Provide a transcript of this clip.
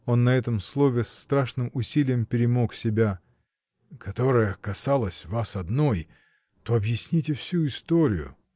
— Он на этом слове с страшным усилием перемог себя, — которая касалась вас одной, то объясните всю историю.